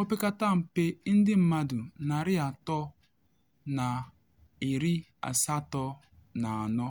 Opekata mpe ndị mmadụ 384